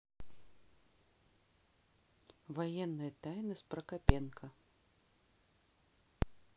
военная тайна с прокопенко